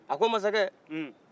a ko masakɛ